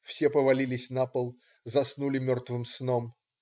Все повалились на пол, заснули мертвым сном.